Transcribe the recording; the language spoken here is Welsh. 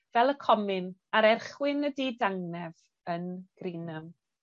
fel y comin ar erchwyn y didangnef yn Greenham.